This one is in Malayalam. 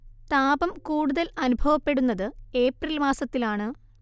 താപം കൂടുതൽ അനുഭവപ്പെടുന്നത് ഏപ്രിൽ മാസത്തിലാണ്